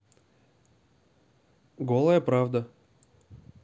голая правда